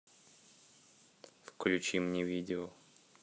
включи мне видео